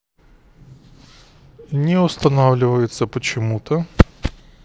не устанавливается почему то